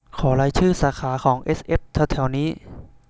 ขอรายชื่อสาขาของเอสเอฟแถวแถวนี้